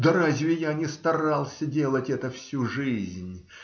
Да разве я не старался делать это всю жизнь?